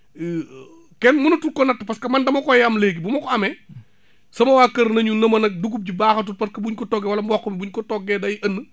kenn mënatu ko natt parce :fa que man dama koy am léegi bu ma ko amee sama waa kër ne ñu ne ma nag dugub ji baaxatul parce que bu ñu ko toggee wala mboq mi bu ñu ko toggee day ënn